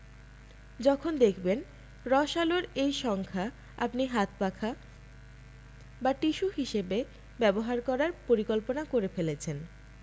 . যখন দেখবেন রস+আলোর এই সংখ্যা আপনি হাতপাখা বা টিস্যু হিসেবে ব্যবহার করার পরিকল্পনা করে ফেলেছেন